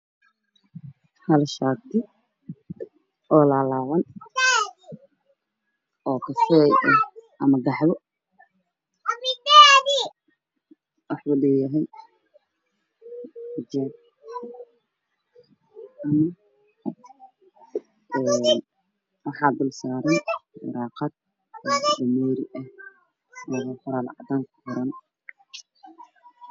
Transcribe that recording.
Hal shaati oo laa laaban wuxuu dul saran yahay daaqad cadaan ah